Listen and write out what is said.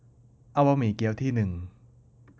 เอาบะหมี่เกี๊ยวที่นึง